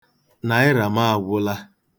Naịra m agwụla.